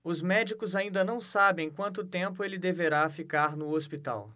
os médicos ainda não sabem quanto tempo ele deverá ficar no hospital